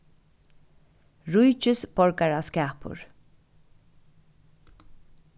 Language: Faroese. ríkisborgaraskapur